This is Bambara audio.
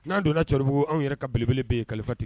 N'an donna la Cɔrbugu anw yɛrɛ ka belebele bɛ yen kalifa tigi